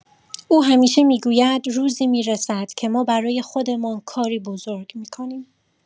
او همیشه می‌گوید روزی می‌رسد که ما برای خودمان کاری بزرگ می‌کنیم.